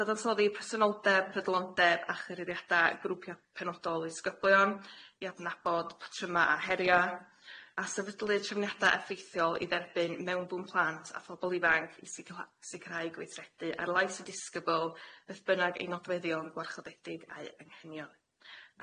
dadantoddi personoldeb, pedlondeb a chyreddiada grwpia penodol i sgybloion i adnabod patryma a heria a sefydlu trefniada effeithiol i dderbyn mewnbwn plant a phobol ifanc i sicilha- sicilhau gweithredu ar lais y disgybl beth bynnag i nodweddion gwarchodedig a'i anghenion.